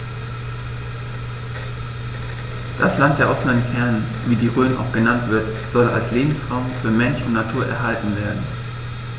Das „Land der offenen Fernen“, wie die Rhön auch genannt wird, soll als Lebensraum für Mensch und Natur erhalten werden.